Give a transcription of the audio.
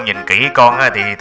nhìn kỹ con thì